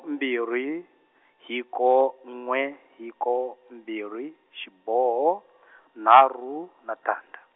mbirhi, hiko n'we hiko mbirhi xiboho , nharhu, na tandza.